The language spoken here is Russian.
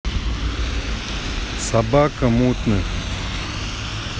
собака мутных